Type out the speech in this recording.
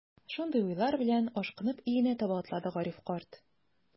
Шундый уйлар белән, ашкынып өенә таба атлады Гариф карт.